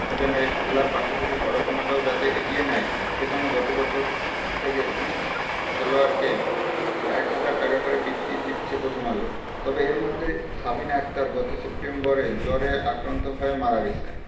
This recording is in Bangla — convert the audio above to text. যেন খেলার পাশাপাশি পড়াশোনাটাও যাতে এগিয়ে নেয় সে জন্য গত বছর থেকে ১৯ খেলোয়াড়কে ১ হাজার টাকা করে বৃত্তি দিচ্ছে প্রথম আলো তবে এর মধ্যে সাবিনা আক্তার গত সেপ্টেম্বরে জ্বরে আক্রান্ত হয়ে মারা গেছে